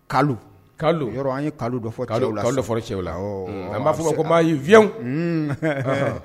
Kalu Kalu yɔrɔ an' ye Kalu de fɔ fɔra cɛw la sisan awɔɔ an b'a f'u ma ko unnnn